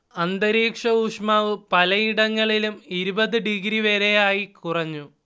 അന്തരീക്ഷഊഷ്മാവ് പലയിടങ്ങളിലും ഇരുപത് ഡിഗ്രി വരെയായി കുറഞ്ഞു